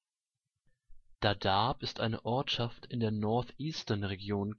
Dadaab ist eine Ortschaft in der North-Eastern-Region Kenias